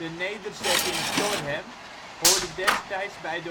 nederzetting Thorhem hoorde destijds bij